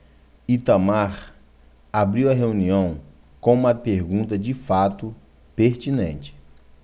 itamar abriu a reunião com uma pergunta de fato pertinente